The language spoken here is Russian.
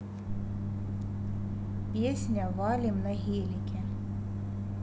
песня валим на гелике